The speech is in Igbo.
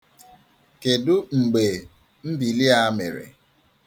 Kedụ mgbe mbili a mere?